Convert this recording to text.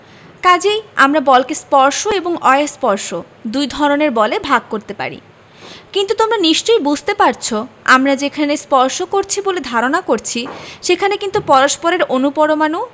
কাজেই আমরা বলকে স্পর্শ এবং অস্পর্শ দুই ধরনের বলে ভাগ করতে পারি কিন্তু তোমরা নিশ্চয়ই বুঝতে পারছ আমরা যেখানে স্পর্শ করছি বলে ধারণা করছি সেখানে কিন্তু পরস্পরের অণু পরমাণু